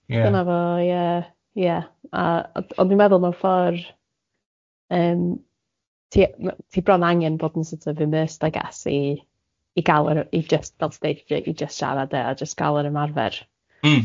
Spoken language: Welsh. Ie. Dyna fo ie ie a ond ond dwi'n meddwl mewn ffordd yym ti m- ti bron angen bod yn sort of immersed I guess i i gael yr i jyst fel ti'n ddeud i jyst siarad yy a jyst gael yr ymarfer... Mm.